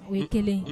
O ye kelen ye